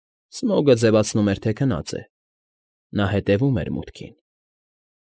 Սմոգը ձևացնում էր, թե քնած է։ Նա հետևում էր մուտքին։